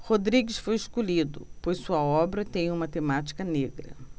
rodrigues foi escolhido pois sua obra tem uma temática negra